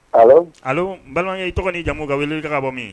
Allo allo n balimakɛ i tɔgɔ n'i jamu ka weeleli kɛ ka bɔ min